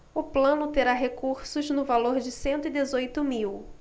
o plano terá recursos no valor de cento e dezoito mil